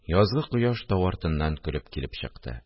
Язгы кояш тау артыннан көлеп килеп чыкты